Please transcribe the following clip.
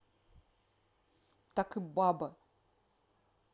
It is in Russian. так и баба